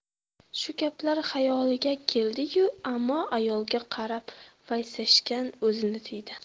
shu gaplar xayoliga keldi yu ammo ayolga qarab vaysashdan o'zini tiydi